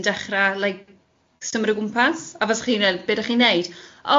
yn dechrau like symud o gwmpas, a fysa chi'n meddwl, be 'dach chi'n wneud?